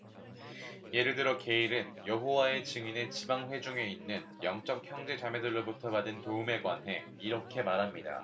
예를 들어 게일은 여호와의 증인의 지방 회중에 있는 영적 형제 자매들로부터 받은 도움에 관해 이렇게 말합니다